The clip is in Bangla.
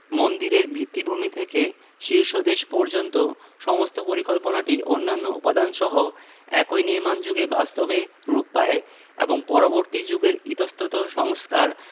মন্দিরের ভিত্তিভূমি থেকে শীর্ষদেশ পর্যন্ত সমস্ত পরিকল্পনাটি অন্যান্য উপাদানসহ একই নির্মাণযুগে বাস্তবে রূপ পায় এবং পরবর্তী যুগের ইতস্তত সংস্কার